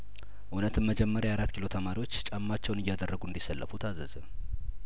እውነትም መጀመሪያ የአራት ኪሎ ተማሪዎች ጫማቸውን እያደረጉ እንዲ ሰለፉ ታዘዘ